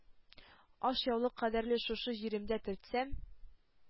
Ашъяулык кадәрле шушы җиремдә төртсәм